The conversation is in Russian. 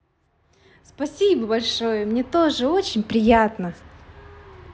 спасибо большое мне тоже очень приятно